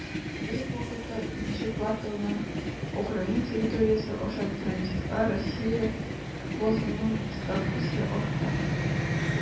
Бер үк вакытта икенче кварталдан Украина территориясе аша транзитка Россия газының ставкасы арта.